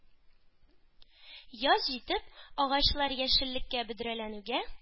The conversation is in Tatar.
Яз җитеп, агачлар яшеллеккә бөдрәләнүгә,